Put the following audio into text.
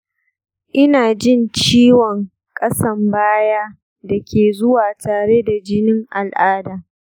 ina jin ciwon ƙasan baya da ke zuwa tare da jinin al’adata.